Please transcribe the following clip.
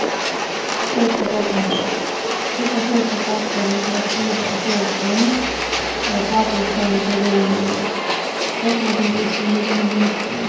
føroyskar bókmentir fyrsta føroyska skaldsøgan sum varð skrivað á føroyskum var bábelstornið hjá regin í líð skaldsøgan kom út í nítjan hundrað og níggju